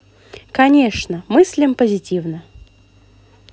конечно мыслим позитивно